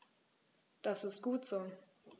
Das ist gut so.